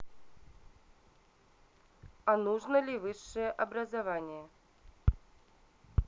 а нужно ли высшее образование